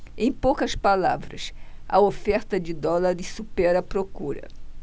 em poucas palavras a oferta de dólares supera a procura